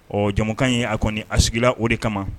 Ɔ jamukan ye a kɔni a sigila o de kama